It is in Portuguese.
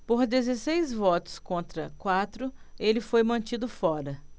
por dezesseis votos contra quatro ele foi mantido fora